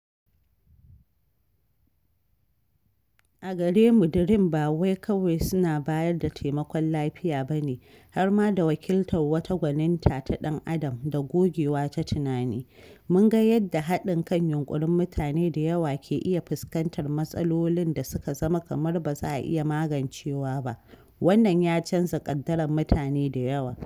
A garemu DREAM ba wai kawai suna bayar da taimakon lafiya ba ne, har ma da wakiltar wata gwaninta ta ɗan adam da gogewa ta tunani: mun ga yadda haɗin kan yunƙurin mutane da yawa ke iya fuskantar matsalolin da suka zama kamar ba za a iya magancewa ba, wannan ya canza ƙaddarar mutane da yawa.